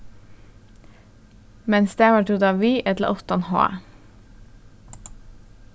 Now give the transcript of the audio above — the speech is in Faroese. men stavar tú tað við ella uttan h